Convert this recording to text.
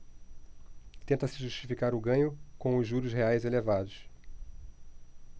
tenta-se justificar o ganho com os juros reais elevados